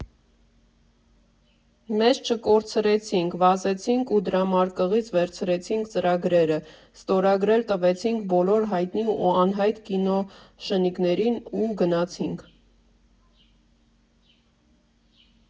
Մեզ չկորցրեցինք, վազեցինք և դրամարկղից վերցրեցինք ծրագրերը, ստորագրել տվեցինք բոլոր հայտնի ու անհայտ կինոշնիկներին ու գնացինք.